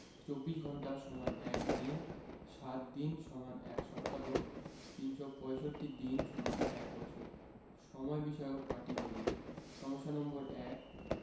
২৪ ঘন্টা = ১ দিন ৭ দিন = ১ সপ্তাহ ৩৬৫ দিন = ১বছর সময় বিষয়ক পাটিগনিতঃ সমস্যা নম্বর ১